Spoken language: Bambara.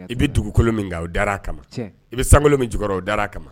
I bɛ dugukolo min kɛ o da a kama ma i bɛ sankolon min j o da a kama